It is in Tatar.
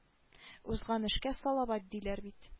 Узган эшкә салават диләр бит